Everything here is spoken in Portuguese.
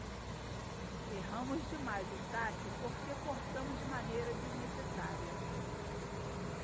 erramos demais o saque porque forçamos de maneira desnecessária